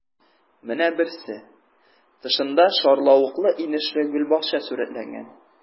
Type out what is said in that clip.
Менә берсе: тышында шарлавыклы-инешле гөлбакча сурәтләнгән.